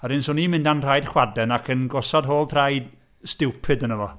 A wedyn swn i'n mynd a'n nhraed chwaden ac yn gosod hol traed stupid yna fo.